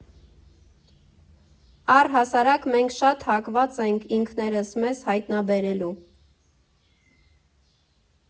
Առհասարակ, մենք շատ հակված ենք ինքներս մեզ հայտնաբերելու։